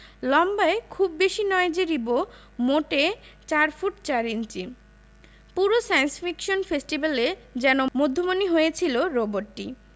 লম্বায় খুব বেশি নয় যে রিবো মোটে ৪ ফুট ৪ ইঞ্চি পুরো সায়েন্স ফিকশন ফেস্টিভ্যালে যেন মধ্যমণি হয়েছিল রোবটটি